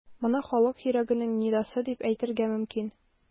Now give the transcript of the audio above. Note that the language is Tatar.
Моны халык йөрәгенең нидасы дип әйтергә мөмкин.